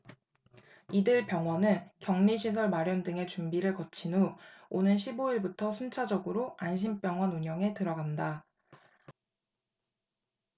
이들 병원은 격리시설 마련 등의 준비를 거친 후 오는 십 오 일부터 순차적으로 안심병원 운영에 들어간다